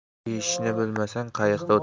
eshishni bilmasang qayiqda o'tirma